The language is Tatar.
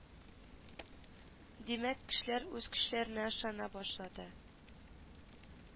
Димәк кешеләр үз көчләренә ышана башлады